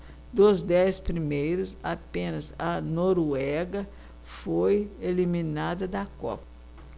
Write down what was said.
dos dez primeiros apenas a noruega foi eliminada da copa